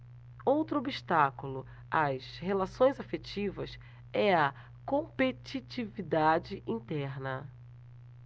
outro obstáculo às relações afetivas é a competitividade interna